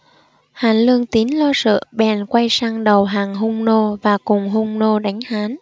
hàn vương tín lo sợ bèn quay sang đầu hàng hung nô và cùng hung nô đánh hán